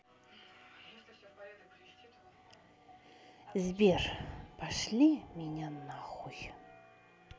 сбер пошли меня нахуй